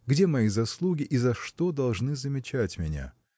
Где мои заслуги и за что должны замечать меня?